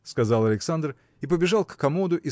– сказал Александр и побежал к комоду